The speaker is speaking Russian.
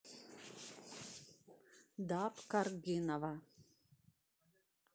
даб каргинова